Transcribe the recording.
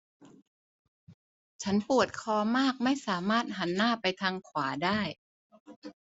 ฉันปวดคอมากไม่สามารถหันหน้าไปทางขวาได้